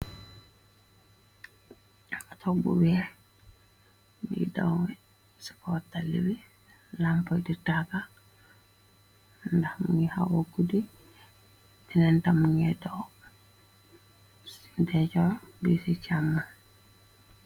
Atto bu weex buyy dawe ci kaw tali bi lampo ditaka. Ndax mi hawa gudi tenentam nga too dejo bi ci camm.